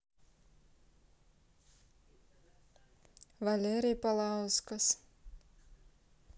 валерий палаускас